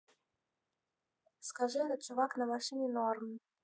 скажи этот чувак на машине норм